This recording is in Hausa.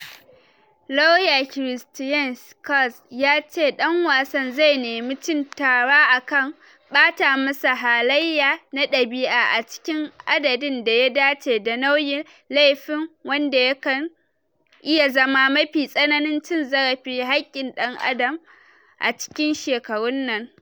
Lawyer Christian Schertz ya ce dan wasan zai nemi cin tara akan “ɓata masa halaye na dabi'a, a cikin adadin da ya dace da nauyin laifin, wanda yakan iya zama mafi tsananin cin zarafin haƙin ɗan adam a cikin shekarun nan.”